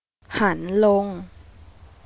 หันลง